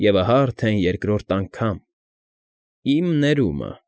Եվ ահա արդեն երկրորդ անգամ՝ իմ ներումը։